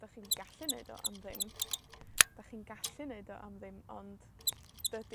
'dach chi'n gallu neud o am ddim. 'Dach chi'n gallu neud o am ddim, ond, dydi